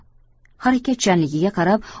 harakatchanligiga qarab